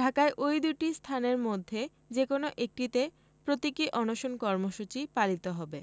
ঢাকায় ওই দুই স্থানের মধ্যে যেকোনো একটিতে প্রতীকী অনশন কর্মসূচি পালিত হবে